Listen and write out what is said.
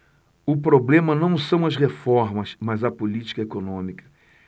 o problema não são as reformas mas a política econômica